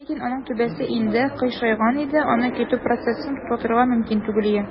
Ләкин аның түбәсе инде "кыйшайган" иде, аның китү процессын туктатырга мөмкин түгел иде.